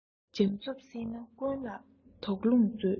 འཇམ རྩུབ བསྲེས ན ཀུན ལ འདོང ལུགས མཛོད